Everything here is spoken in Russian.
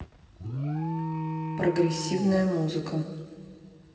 прогрессивная музыка